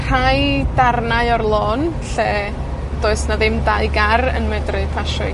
rhai darnau o'r lôn lle does 'na ddim dau gar yn medru pasio